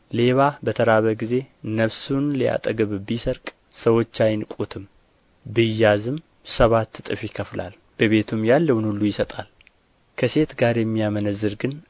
ሌባ በተራበ ጊዜ ነፍሱን ሊያጠግብ ቢሰርቅ ሰዎች አይንቁትም ቢያዝም ሰባት እጥፍ ይከፍላል በቤቱም ያለውን ሁሉ ይሰጣል ከሴት ጋር የሚያመነዝር ግን